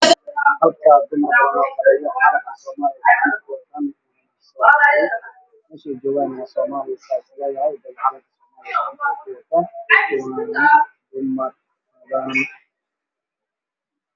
Meeshan waxaa fadhiyo gabdho wato calanka